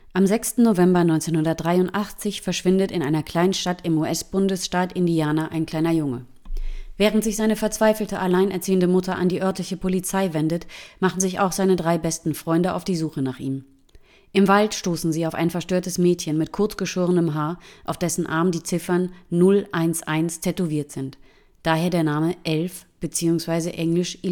Am 6. November 1983 verschwindet in einer Kleinstadt im US-Bundesstaat Indiana ein kleiner Junge. Während sich seine verzweifelte alleinerziehende Mutter an die örtliche Polizei wendet, machen sich auch seine drei besten Freunde auf die Suche nach ihm. Im Wald stoßen sie auf ein verstörtes Mädchen mit kurzgeschorenem Haar, auf dessen Arm die Ziffern „ 011 “tätowiert sind (daher der Name „ Elf “bzw. engl.